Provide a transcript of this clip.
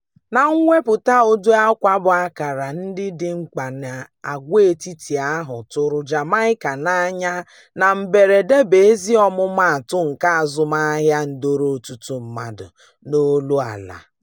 Na mwepụta ụdị akwa bu ákàrà ndị dị mkpa nke agwaetiti ahụ tụrụ Jamaica n'anya na mberede bụ ezi ọmụmaatụ nke azụmahịa ndọrọ ọtụtụ mmadụ n'ọnụ ala.